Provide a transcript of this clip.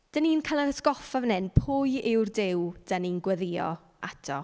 Dan ni'n cael ein atgoffa fan hyn pwy yw'r Duw dan ni'n gweddïo ato.